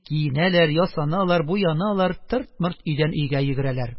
Киенәләр, ясаналар, буяналар, тырт-мырт өйдән өйгә йөгерәләр.